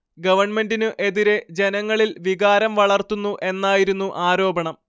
ഗവണ്മെന്റിനു എതിരെ ജനങ്ങളിൽ വികാരം വളർത്തുന്നു എന്നായിരുന്നു ആരോപണം